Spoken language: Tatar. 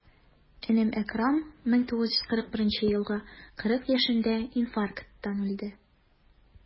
Энем Әкрам, 1941 елгы, 40 яшендә инфаркттан үлде.